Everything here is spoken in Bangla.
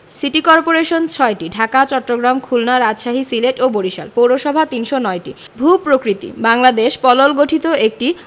সিটি কর্পোরেশন ৬টি ঢাকা চট্টগ্রাম খুলনা রাজশাহী সিলেট ও বরিশাল পৌরসভা ৩০৯টি ভূ প্রকৃতিঃ বাংলদেশ পলল গঠিত একটি